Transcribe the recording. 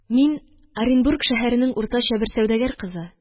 «мин оренбург шәһәренең уртача бер сәүдәгәр кызы.